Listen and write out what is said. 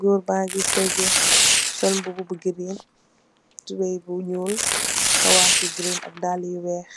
Gorr bangii sagaa, soll mbubaa bu green 💚tubaii bu nyoul ak dalayuu green 💚 ak kawasii wehk,